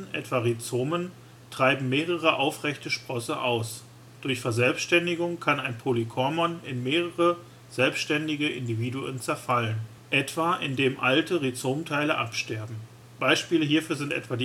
etwa Rhizomen, treiben mehrere aufrechte Sprosse aus. Durch Verselbständigung kann ein Polykormon in mehrere selbständige Individuen zerfallen, etwa, indem alte Rhizomteile absterben. Beispiele hierfür sind etwa